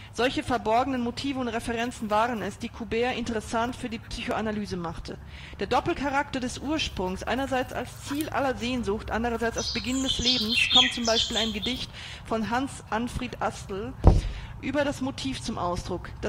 Solche verborgenen Motive und Referenzen waren es, die Courbet interessant für die Psychoanalyse machte. Der Doppelcharakter des „ Ursprungs “– einerseits als Ziel aller Sehnsucht, andererseits als Beginn des Lebens – kommt z. B. in einem Gedicht von Hans Arnfrid Astel über das Motiv zum Ausdruck